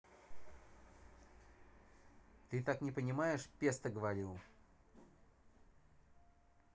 ты так не понимаешь песто говорил